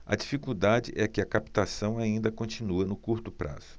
a dificuldade é que a captação ainda continua no curto prazo